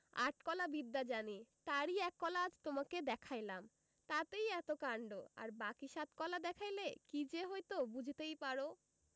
আট কলা বিদ্যা জানি তার ই এক কলা আজ তোমাকে দেখাইলাম তাতেই এত কাণ্ড আর বাকী সাত কলা দেখাইলে কি যে হইত বুঝিতেই পার